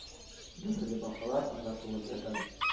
Гөберле бакалар анда тулып ятадыр